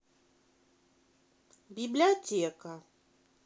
библиотека